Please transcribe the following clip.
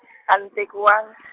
a ni tekiwang- .